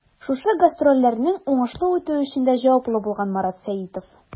Шушы гастрольләрнең уңышлы үтүе өчен дә җаваплы булган Марат Сәитов.